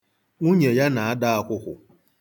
Nwunye ya na-ada akwụkwụ.